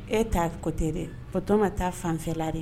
E ta kɔtɛ dɛ kotɔ ka taa fanfɛla de